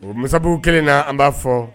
O musabugu kelen na an ba fɔ